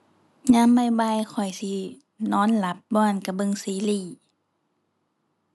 ยามบ่ายบ่ายข้อยสินอนหลับ บ่หั้นก็เบิ่งซีรีส์